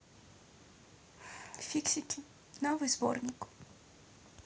фиксики новый сборник